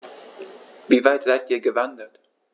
Wie weit seid Ihr gewandert?